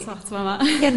ar y spot yn fama